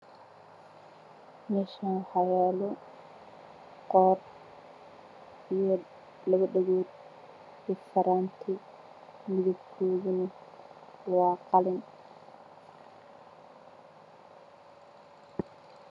Meeshaan waxaa yaalo koob iyo labo dhagood iyo faraanti midabkooduna waa qalin